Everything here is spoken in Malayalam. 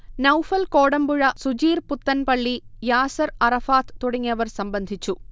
നൗഫൽ കോടമ്പുഴ, സുജീർ പുത്തൻപള്ളി, യാസർ അറഫാത് തുടങ്ങിയവർ സംബന്ധിച്ചു